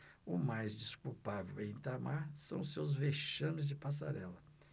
o mais desculpável em itamar são os seus vexames de passarela